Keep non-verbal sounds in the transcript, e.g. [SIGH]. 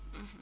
[HESITATION] [HESITATION]